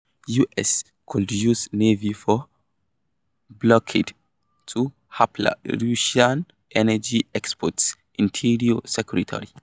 US could use Navy for "blockade" to hamper Russian energy exports - Interior Secretary